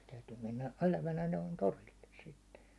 se täytyy mennä elävänä noin torille sitten